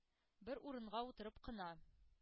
Бер урынга утырып кына